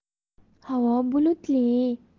havo bulutli